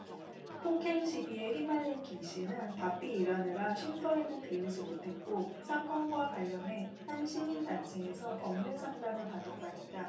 폭행시비에 휘말린 김씨는 바삐 일하느라 쉼터에는 들르지 못했고 사건과 관련해 한 시민단체에서 법률상담을 받은 바 있다